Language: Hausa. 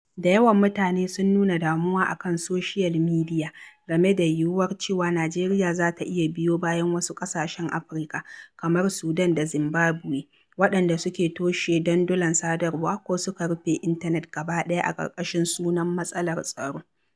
Da yawan mutane sun nuna damuwa a kan soshiyal midiya game da yiwuwar cewa Najeriya za ta iya biyo bayan wasu ƙasashen Afirka [kamar Sudan da Zimbabwe] waɗanda suke toshe dandulan sadarwa ko suka rufe intanet gabaɗaya a ƙarƙashin sunan matsalar tsaro.